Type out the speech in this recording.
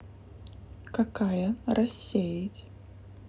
какая рассеять